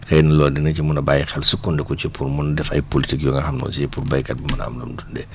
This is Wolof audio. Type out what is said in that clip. xëy na loolu dina ci mën a bàyyi xel sukkandiku ci pour mun def ay politiques yu nga xam ne aussi pour béykat mun na am lu mu dundee